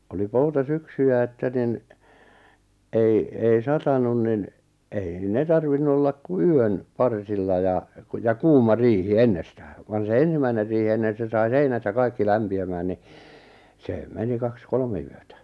oli poutasyksyjä että niin ei ei satanut niin ei ne tarvinnut olla kuin yön parsilla ja kun ja kuuma riihi ennestään vaan se ensimmäinen riihi niin että se sai seinät ja kaikki lämpiämään niin se meni kaksi kolme yötä